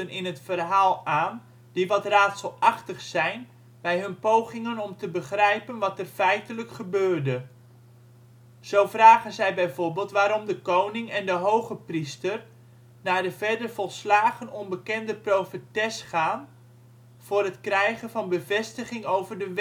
in het verhaal aan die wat raadselachtig zijn bij hun pogingen om te begrijpen wat er feitelijk gebeurde. Zo vragen zij bijvoorbeeld waarom de koning en de hogepriester naar de verder volslagen onbekende profetes gaan voor het krijgen van bevestiging over de